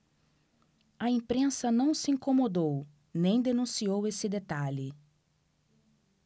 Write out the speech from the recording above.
a imprensa não se incomodou nem denunciou esse detalhe